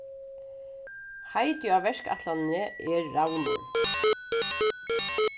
heitið á verkætlanini er ravnur